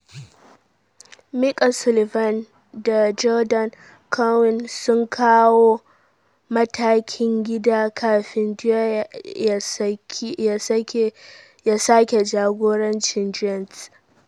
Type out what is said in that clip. Mike Sullivan da Jordan Cownie sun kawo matakin gida kafin Dwyer ya sake jagorancin Giants.